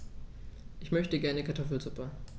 Ich möchte gerne Kartoffelsuppe.